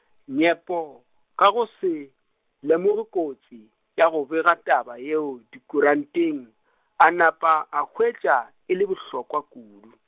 Nyepo, ka go se, lemoge kotsi, ya go bega taba yeo dikuranteng, a napa a hwetša, e le bohlokwa kudu.